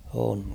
on